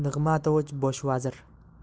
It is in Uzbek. nig'matovich bosh vazir